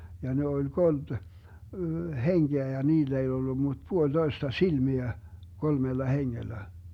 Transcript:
ja ne oli kolme henkeä ja niillä ei ollut mutta puolitoista silmiä kolmella hengellä